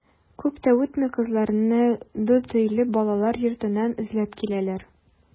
Күп тә үтми кызларны Дүртөйле балалар йортыннан эзләп киләләр.